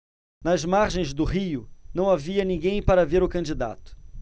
nas margens do rio não havia ninguém para ver o candidato